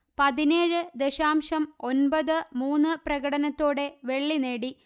പതിനേഴ് ദശാംശം ഒന്പത് മൂന്ന്പ്രകടനത്തോടെ വെള്ളി നേടി